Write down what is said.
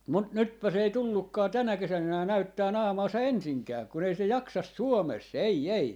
mutta nytpäs ei tullutkaan tänä kesänä enää näyttämään naamaansa ensinkään kun ei se jaksa Suomessa ei ei